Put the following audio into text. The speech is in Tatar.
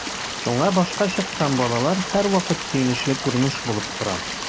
Шуңа “башка чыккан” балалар һәрвакыт сөенечле күренеш булып тора.